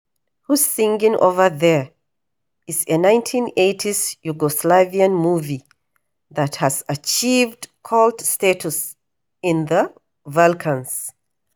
Who's Singin’ Over There? is a 1980s Yugoslavian movie that has achieved cult status in the Balkans.